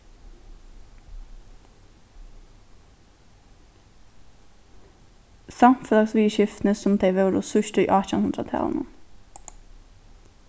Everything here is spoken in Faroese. samfelagsviðurskiftini sum tey vóru síðst í átjanhundraðtalinum